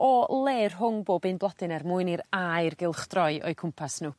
o le rhwng bob un blodyn er mwyn i'r aer gylchdroi o'u cwmpas n'w.